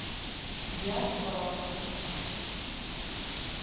я прав